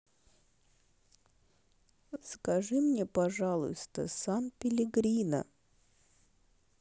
закажи мне пожалуйста сан пеллегрино